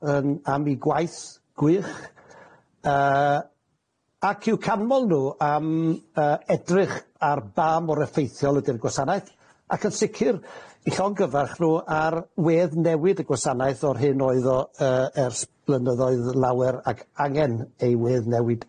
yn am 'i gwaith gwych yy ac i'w canmol nw am yy edrych ar ba mor effeithiol ydi'r gwasanaeth ac yn sicir i llongyfarch nw ar weddnewid y gwasanaeth o'r hyn oedd o yy ers blynyddoedd lawer ag angen ei weddnewid.